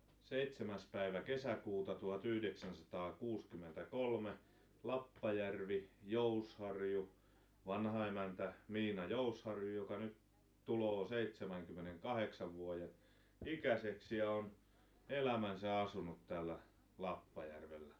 seitsemäs päivä kesäkuuta tuhatyhdeksänsataakuusikymmentä kolme Lappajärvi Jousharju vanhaemäntä Miina Jousharju joka nyt tulee seitsemänkymmenenkahdeksan vuoden ikäiseksi ja on elämänsä asunut täällä Lappajärvellä